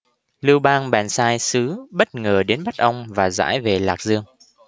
lưu bang bèn sai sứ bất ngờ đến bắt ông và giải về lạc dương